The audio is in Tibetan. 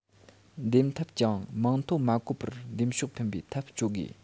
འདེམས ཐབས ཀྱང མིང ཐོ མ བཀོད པར འདེམས ཤོག འཕེན པའི ཐབས སྤྱོད དགོས